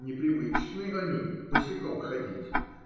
непривычны они босиком ходить